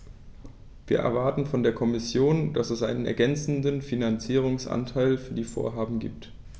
Wir erwarten von der Kommission, dass es einen ergänzenden Finanzierungsanteil für die Vorhaben gibt.